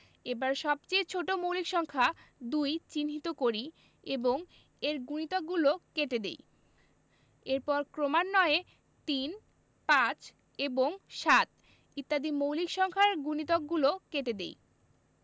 এবার সবচেয়ে ছোট মৌলিক সংখ্যা ২ চিহ্নিত করি এবং এর গুণিতকগলো কেটে দেই এরপর ক্রমান্বয়ে ৩ ৫ এবং ৭ ইত্যাদি মৌলিক সংখ্যার গুণিতকগুলো কেটে দিই